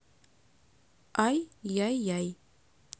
ай яй яй